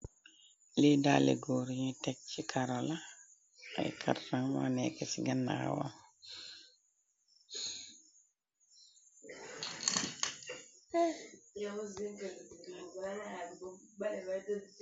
Lée dale góor ñuy teg ci karala , ay karfan mo neeka ci gannawa.